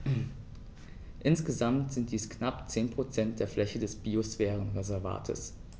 Insgesamt sind dies knapp 10 % der Fläche des Biosphärenreservates.